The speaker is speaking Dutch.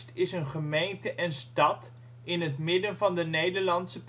gemeente en stad in het midden van de Nederlandse